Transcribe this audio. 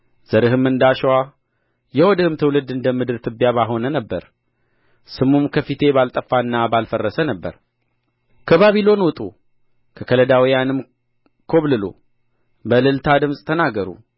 ዘርህም እንደ አሸዋ የሆድህም ትውልድ እንደ ምድር ትቢያ በሆነ ነበር ስሙም ከፊቴ ባልጠፋና ባልፈረሰ ነበር ከባቢሎን ውጡ ከከለዳውያንም ኰብልሉ በእልልታ ድምፅ ተናገሩ